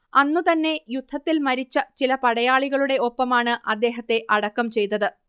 അന്നു തന്നെ യുദ്ധത്തിൽ മരിച്ച ചില പടയാളികളുടെ ഒപ്പമാണ് അദ്ദേഹത്തെ അടക്കം ചെയ്തത്